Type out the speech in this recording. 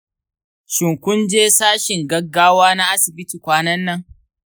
shin kun je sashin gaggawa na asibiti kwanan nan?